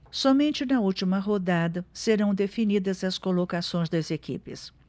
somente na última rodada serão definidas as colocações das equipes